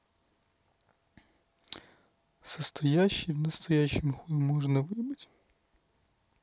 состоящий в настоящем хуй можно выебать